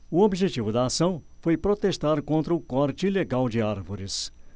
o objetivo da ação foi protestar contra o corte ilegal de árvores